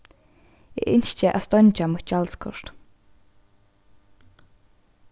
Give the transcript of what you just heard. eg ynski at steingja mítt gjaldskort